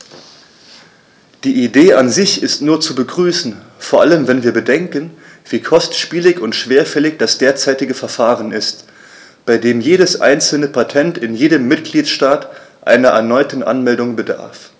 Die Idee an sich ist nur zu begrüßen, vor allem wenn wir bedenken, wie kostspielig und schwerfällig das derzeitige Verfahren ist, bei dem jedes einzelne Patent in jedem Mitgliedstaat einer erneuten Anmeldung bedarf.